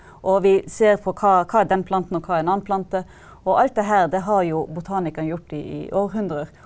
og vi ser på hva hva er den planten og hva er en annen plante, og alt det her det har jo botanikerne gjort i i århundrer.